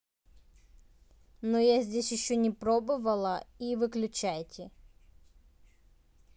но я здесь еще не пробовала и выключайте